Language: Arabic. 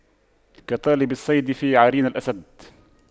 كطالب الصيد في عرين الأسد